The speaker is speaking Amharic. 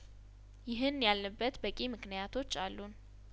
ይህን ያልንበት በቂም ክንያቶች አሉን